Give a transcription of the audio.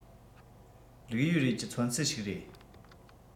ལིའུ ཡུས རུས ཀྱི མཚོན ཚུལ ཞིག རེད